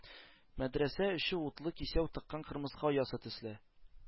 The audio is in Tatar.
Мәдрәсә эче, утлы кисәү тыккан кырмыска оясы төсле,